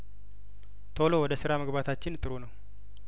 ቶሎ ወደ ስራ መግባታችን ጥሩ ነው